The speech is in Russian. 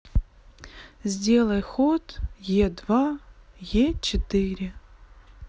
сделай ход е два е четыре